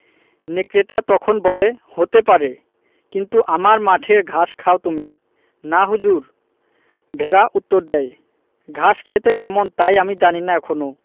নেকড়েটা তখন বলে হতে পারে কিন্তু আমার মাঠের ঘাস খাও তুমি না হুজুর ভেড়া উত্তর দ্যায় ঘাস খেতে কেমন তাই আমি জানি না এখনো